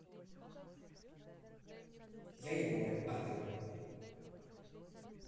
я егор а ты